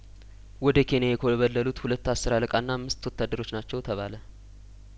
ወደ ኬንያ የኮበለሉት ሁለት አስር አለቃና አምስት ወታደሮች ናቸው ተባለ